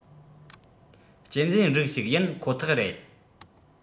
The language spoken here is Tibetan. གཅན གཟན རིགས ཞིག ཡིན ཁོ ཐག རེད